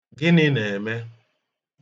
Gịnị na-eme?